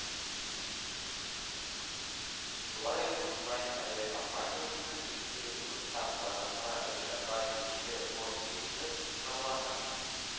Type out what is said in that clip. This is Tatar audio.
Шулай ук “Руслайн” авиакомпаниясенең Екатеринбургтан Казанга очарга тиешле борт рейсы тоткарлана